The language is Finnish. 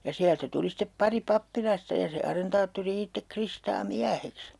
ja sieltä tuli sitten pari pappilasta ja se arentaattori itse Kristaa mieheksi